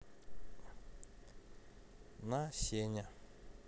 на сеня